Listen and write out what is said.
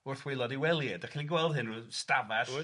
wrth waelod ei wely e, 'dach chi 'di gweld hyn, hyn ryw stafall